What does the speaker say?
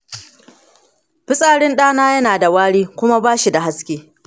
fitsarin ɗana yana da wari kuma ba shi da haske.